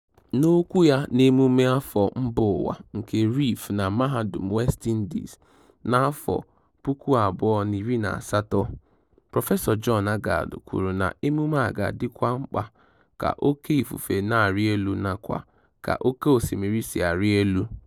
N'okwu ya n'emume afọ mbaụwa nke Reef na Mahadum West Indies n'afọ 2018, Prọfesọ John Agard kwuru na emume a ga-adịkwu mkpa ka oké ifufe na-arị elu nakwa ka oké osimiri si ari elu.